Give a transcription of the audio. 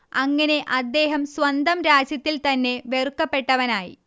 അങ്ങനെ അദ്ദേഹം സ്വന്തം രാജ്യത്തിൽ തന്നെ വെറുക്കപ്പെട്ടവനായി